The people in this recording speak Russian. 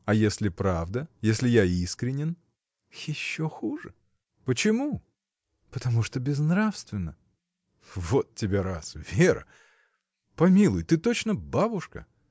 — А если правда, если я искренен? — Еще хуже. — Почему? — Потому что безнравственно. — Вот тебе раз! Вера!. Помилуй! ты точно бабушка!